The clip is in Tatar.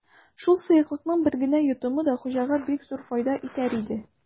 Шул сыеклыкның бер генә йотымы да хуҗага бик зур файда итәр иде.